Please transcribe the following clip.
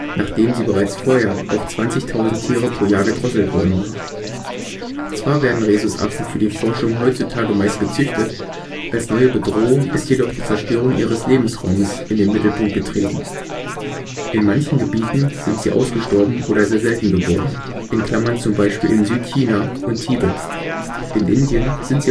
sie bereits vorher auf 20.000 Tiere pro Jahr gedrosselt worden war. Zwar werden Rhesusaffen für die Forschung heutzutage meist gezüchtet, als neue Bedrohung ist jedoch die Zerstörung ihres Lebensraumes in den Mittelpunkt getreten. In manchen Gebieten sind sie ausgestorben oder sehr selten geworden (zum Beispiel in Südchina und Tibet), in Indien sind sie aufgrund